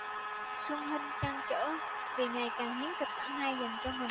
xuân hinh trăn trở vì ngày càng hiếm kịch bản hay dành cho mình